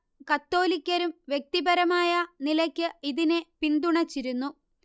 കത്തോലിക്കരും വ്യക്തിപരമായ നിലയ്ക്ക് ഇതിനെ പിന്തുണച്ചിരുന്നു